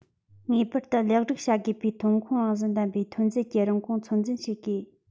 ངེས པར དུ ལེགས སྒྲིག བྱ དགོས པའི ཐོན ཁུངས རང བཞིན ལྡན པའི ཐོན རྫས ཀྱི རིན གོང ཚོད འཛིན བྱེད དགོས